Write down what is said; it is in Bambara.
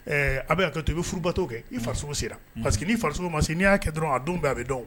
A bɛ kɛ to i bɛ furubatɔ kɛ i faso sera parce que' faso ma n' y'a kɛ dɔrɔn a don bɛɛ a bɛ dɔn